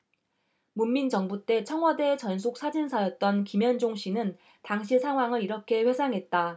문민정부 때 청와대 전속사진사였던 김현종씨는 당시 상황을 이렇게 회상했다